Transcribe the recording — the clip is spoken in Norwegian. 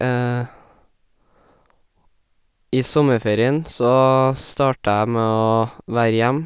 I sommerferien så starta jeg med å være hjemme.